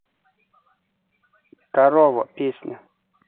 корова песня